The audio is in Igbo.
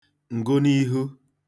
ǹgụniihu